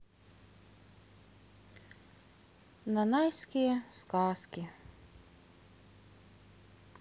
нанайские сказки